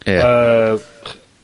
Ia. Yy.